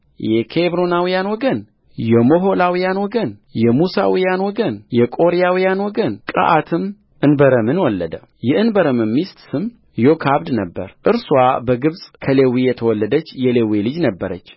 የኬብሮናውያን ወገን የሞሖላውያን ወገን የሙሳውያን ወገን የቆሬያውያን ወገን ቀዓትም እንበረምን ወለደየእንበረም ሚስት ስም ዮካብድ ነበረ እርስዋ በግብፅ ከሌዊ የተወለደች የሌዊ ልጅ ነበረች